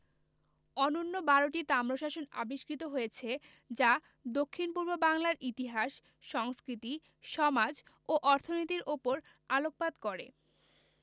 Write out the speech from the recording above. অন্যূন বারোটি তাম্রশাসন আবিষ্কৃত হয়েছে যা দক্ষিণ পূর্ব বাংলার ইতিহাস সংস্কৃতি সমাজ ও অর্থনীতির ওপর আলোকপাত করে